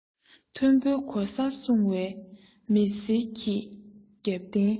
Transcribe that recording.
མཐོན པོའི གོ ས བཟུང བའི མི སེར གྱི རྒྱབ རྟེན